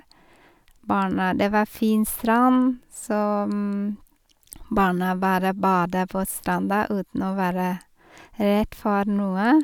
barna Det var fin strand, så og barna bare bada på stranda uten å være redd for noe.